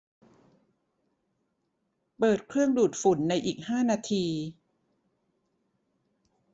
เปิดเครื่องดูดฝุ่นในอีกห้านาที